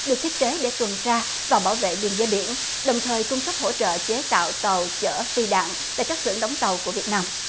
được thiết kế để tuần tra và bảo vệ biên giới biển đồng thời cung cấp hỗ trợ chế tạo tàu chở phi đạn tại các xưởng đóng tàu của việt nam